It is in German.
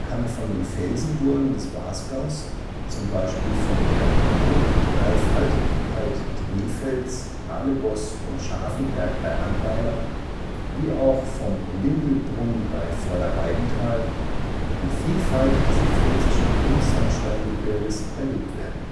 kann von den Felsenburgen des Wasgaus, z. B. von der „ Burgdreifaltigkeit “Trifels, Anebos und Scharfenberg bei Annweiler wie auch vom Lindelbrunn bei Vorderweidenthal, die Vielfalt des pfälzischen Buntsandsteingebirges erlebt werden